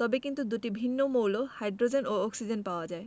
তবে কিন্তু দুটি ভিন্ন মৌল হাইড্রোজেন ও অক্সিজেন পাওয়া যায়